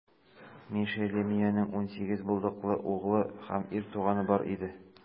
Мешелемиянең унсигез булдыклы углы һәм ир туганы бар иде.